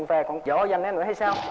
về còn dỗ dành em nữa hay sao